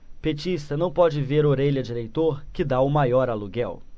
petista não pode ver orelha de eleitor que tá o maior aluguel